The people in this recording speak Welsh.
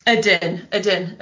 Ydyn, ydyn, ydyn.